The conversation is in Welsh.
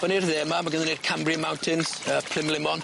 Fyny i'r dde 'ma ma' gynno ni'r Cambrian Mountains yy Plym Limon.